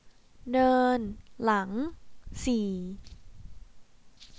เดินหลังสี่